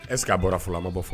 Ɛ k'a bɔra fɔlɔ ma bɔ fɔ